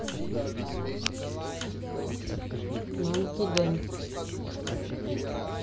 манки денс